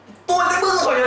tôi sẽ bước ra khỏi